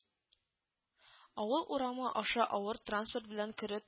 Авыл урамы аша авыр транспорт белән керү